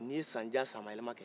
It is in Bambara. n'i ye sanjan sanmayɛlɛma kɛ